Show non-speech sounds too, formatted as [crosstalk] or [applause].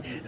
[hesitation] [hesitation]